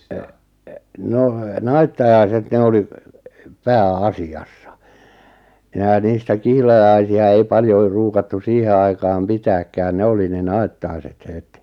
en en no naittajaiset ne oli pääasiassa minä niistä kihlajaisia ei paljon ruukattu siihen aikaan pitääkään ne oli ne naittaiset heti